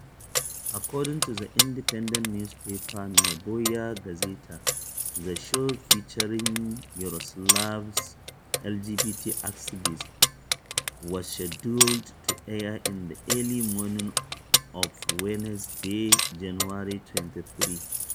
According to independent newspaper Novaya Gazeta, the show featuring Yaroslavl’s LGBT activists was scheduled to air in the early morning of Wednesday, January 23.